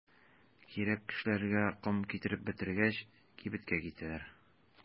Кирәк кешеләргә ком китереп бетергәч, кибеткә китәләр.